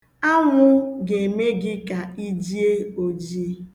Anwụ ga-eme gị ka i jie oji.